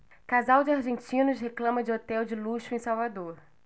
casal de argentinos reclama de hotel de luxo em salvador